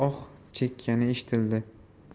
oh chekkani eshitildi